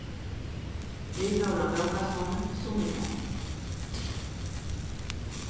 vit fóru á bókasavnið sunnudagin